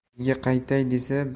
uyiga qaytay desa